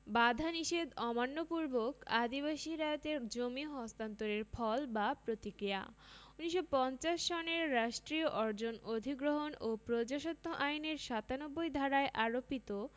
বাধানিষেধ অমান্য পূর্বক আদিবাসী রায়তদের জমি হস্তান্তরের ফল বা প্রতিক্রিয়া ১৯৫০ সনের রাষ্ট্রীয় অর্জন অধিগ্রহণ ও প্রজাস্বত্ব আইনের ৯৭ ধারায় আরোপিত